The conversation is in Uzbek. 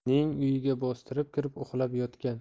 ning uyiga bostirib kirib uxlab yotgan